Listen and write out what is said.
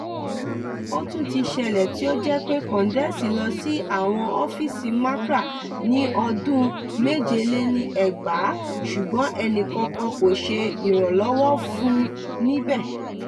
Ó tún ti sẹlẹ̀ tí ó jẹ́ pé Kondesi lọ sí àwọn ọ́fíìsì MACRA ní ọdún 2007, ṣùgbọ́n ẹnìkankan kò ṣe ìrànlọ́wọ́ fún un níbẹ̀.